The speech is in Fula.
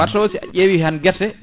par * a ƴeewi tan guerte